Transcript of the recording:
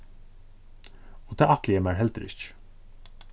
og tað ætli eg mær heldur ikki